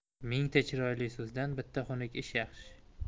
mingta chiroyli so'zdan bitta xunuk ish yaxshi